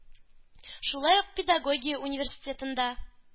Шулай ук педагогия университетларында